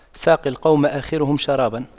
ساقي القوم آخرهم شراباً